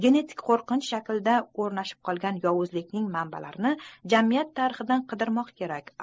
genetik qo'rqinch shaklida o'rnashib qolgan yovuzlikning manbalarini jamiyat tarixidan qidirmoq kerak